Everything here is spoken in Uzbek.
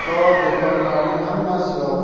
qator do'konlarning hammasi yopiq